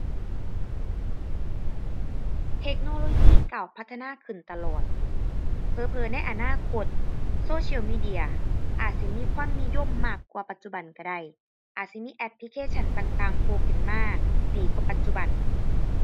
เทคโนโลยีก้าวพัฒนาขึ้นตลอด เผลอเผลอในอนาคต social media อาจสิมีความนิยมมากกว่าปัจจุบันก็ได้ อาจสิมีแอปพลิเคชันต่างต่างโผล่ขึ้นมา ดีกว่าปัจจุบัน